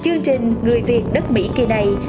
chương trình người việt đất mỹ kỳ này